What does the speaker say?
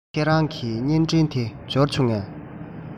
ཁྱེད རང གི བརྙན འཕྲིན དེ འབྱོར བྱུང ངས